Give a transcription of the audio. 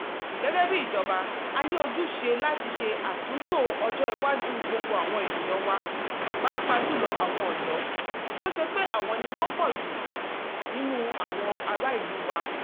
Gẹ́gẹ́ bíi ìjọba a ní ojúṣe láti ṣe àtúntò ọjọ́ iwájú gbogbo àwọn ènìyàn wa, pàápàá jùlọ àwọn ọ̀dọ́, tí ó ṣe pé àwọn ni wọ́n pọ̀ jùlọ nínú àwọn ará ìlú wa.